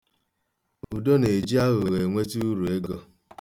Udo na-eji aghụghọ enweta uruego.